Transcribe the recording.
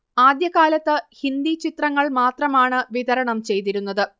ആദ്യ കാലത്ത് ഹിന്ദി ചിത്രങ്ങൾ മാത്രമാണ് വിതരണം ചെയ്തിരുന്നത്